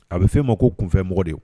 A bɛ f' o ma ko kunfɛmɔgɔ de